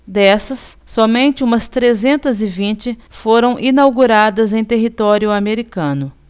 dessas somente umas trezentas e vinte foram inauguradas em território americano